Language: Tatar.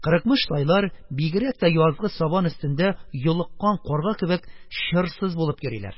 Кырыкмыш тайлар, бигрәк тә язгы сабан өстендә, йолыккан карга кебек чырсыз булып йөриләр.